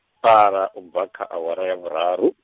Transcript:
-tara u bva kha awara ya vhuraru.